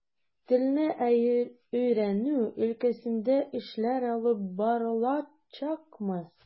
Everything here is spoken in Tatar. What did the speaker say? Телне өйрәнү өлкәсендә эшләр алып барылачакмы?